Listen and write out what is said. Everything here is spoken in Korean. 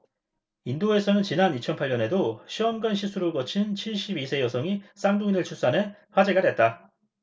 인도에서는 지난 이천 팔 년에도 시험관시술을 거친 칠십 이 세 여성이 쌍둥이를 출산해 화제가 됐다